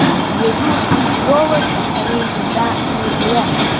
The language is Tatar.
Дежур астролог – Резеда Нурлы.